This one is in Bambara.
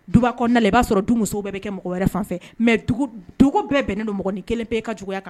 Dugba kɔnɔna na i b'a sɔrɔ musow bɛɛ bɛ kɛ mɔgɔ wɛrɛ fan mɛ dugu bɛɛ bɛn ne donɔgɔn ni kelen pe i ka juguya kan